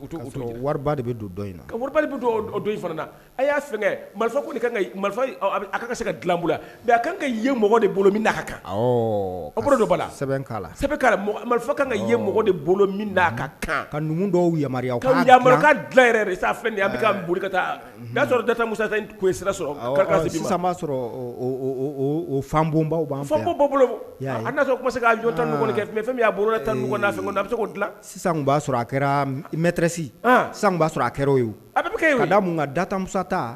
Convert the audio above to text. U de bɛ don in don fana na a y'a fɛn marifa marifa se ka bolo a ka kan ka ye mɔgɔ de bolo na ka kan dɔ b' la marifa ka kan ka ye mɔgɔ de bolo min kan kan ka numu dɔw yama ya fɛn de'a sɔrɔ data musa tan sira sɔrɔ sɔrɔ fanbonbaw bolo a'a se' tan kɛ fɛn b'a tan a bɛ se sisan b'a sɔrɔ a kɛra mɛtresi san b'a sɔrɔ a kɛra o a bɛta musata